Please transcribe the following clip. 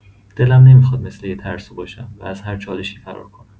دلم نمی‌خواد مثل یه ترسو باشم و از هر چالشی فرار کنم.